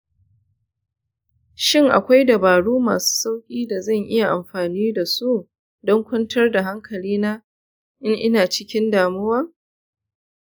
shin akwai dabaru masu sauƙi da zan iya amfani da su don kwantar da hankalina in ina cikin damuwa?